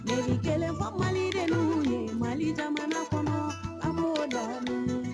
1 fɔ malideninw ye Mali jamana kɔnɔ an b'o lamɛn